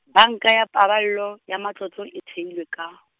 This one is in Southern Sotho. Banka ya Paballo ya matlotlo e theilwe ka.